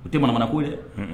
U tɛ bamananmana ko dɛ